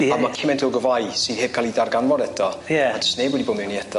Ie. A ma' cyment o ogofau sy heb ca'l 'u darganfod eto. Ie. A jyst neb wedi bod miwn i eto.